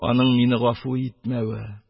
Аның мине гафу итмәве,